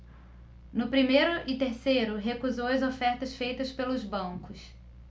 no primeiro e terceiro recusou as ofertas feitas pelos bancos